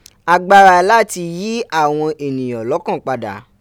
Agbara lati yii awon eniyan lokan pada.